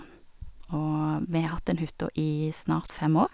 Og vi har hatt den hytta i snart fem år.